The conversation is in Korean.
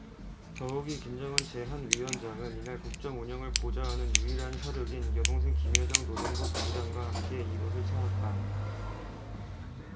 더욱이 김정은 제 한 위원장은 이날 국정운영을 보좌하는 유일한 혈육인 여동생 김여정 노동당 부부장과 함께 이곳을 찾았다